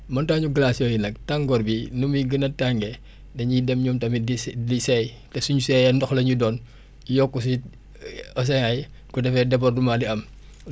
montagne glace yooyu nag tàngoor bi nu muy gën a tàngee dañuy dem ñoom tamit di see di seey te suñ seeyee ndox la ñuy doon yokku si océans yi bu ko defee débordement di am